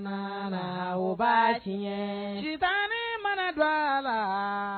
Ma na o b'a cɛn, sitanɛ mana don a la